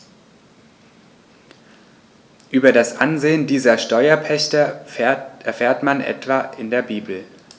Über das Ansehen dieser Steuerpächter erfährt man etwa in der Bibel.